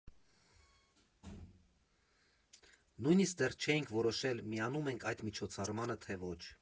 Նույնիսկ դեռ չէինք որոշել՝ միանո՞ւմ ենք այդ միջոցառմանը, թե ոչ։